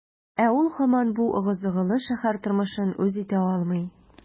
Ә ул һаман бу ыгы-зыгылы шәһәр тормышын үз итә алмый.